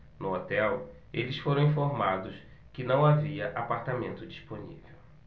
no hotel eles foram informados que não havia apartamento disponível